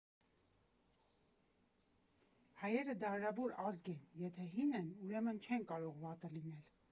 Հայերը դարավոր ազգ են, եթե հին են, ուրեմն չեն կարող վատը լինել։